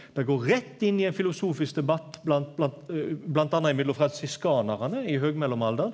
det går rett inn i ein filosofisk debatt blant blant bl.a. mellom fransiskanarane i høgmellomalderen.